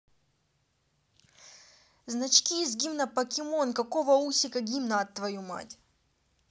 значки из гимна покемон какого усика гимна от твою мать